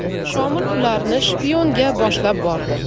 shomil ularni shiyponga boshlab bordi